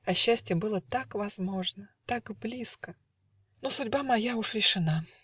А счастье было так возможно, Так близко!. Но судьба моя Уж решена.